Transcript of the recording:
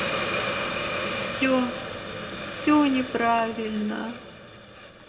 все все неправильно